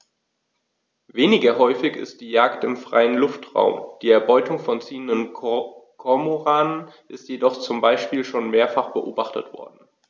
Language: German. Weniger häufig ist die Jagd im freien Luftraum; die Erbeutung von ziehenden Kormoranen ist jedoch zum Beispiel schon mehrfach beobachtet worden.